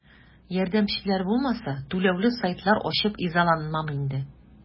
Ярдәмчеләр булмаса, түләүле сайтлар ачып изаланмам инде.